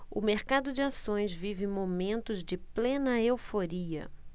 o mercado de ações vive momentos de plena euforia